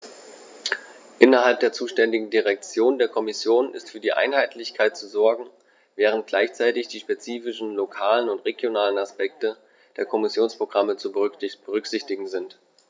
Innerhalb der zuständigen Direktion der Kommission ist für Einheitlichkeit zu sorgen, während gleichzeitig die spezifischen lokalen und regionalen Aspekte der Kommissionsprogramme zu berücksichtigen sind.